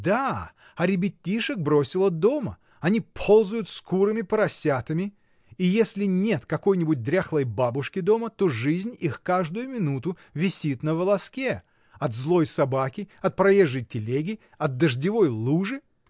— Да, а ребятишек бросила дома — они ползают с курами, поросятами, и если нет какой-нибудь дряхлой бабушки дома, то жизнь их каждую минуту висит на волоске: от злой собаки, от проезжей телеги, от дождевой лужи.